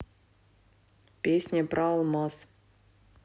песня про алмаз